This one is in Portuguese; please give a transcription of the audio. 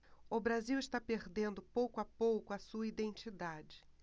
o brasil está perdendo pouco a pouco a sua identidade